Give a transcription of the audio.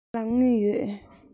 ང ལ དངུལ ཡོད